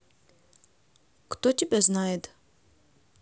кто тебя знает